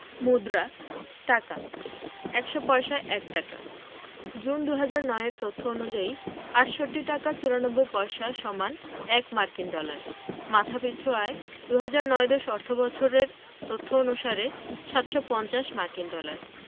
মুদ্রাঃ টাকা ১০০ পয়সায় ১ টাকা জুন ২০০৯ এর তথ্য অনুযায়ী ৬৮ টাকা ৯৪ পয়সা = ১ মার্কিন ডলার মাথাপিছু আয়ঃ ২০০৯ ১০ অর্থবছরের তথ্য অনুসারে ৭৫০ মার্কিন ডলার